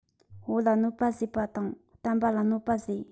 བོད ལ གནོད པ བཟོས པ དང བསྟན པ ལ གནོད པ བཟོས